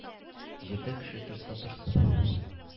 Җирдә кеше торса торсын,